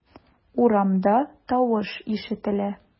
Урамда тавыш ишетелә.